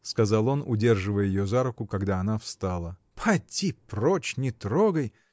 — сказал он, удерживая ее за руку, когда она встала. — Поди прочь, не трогай!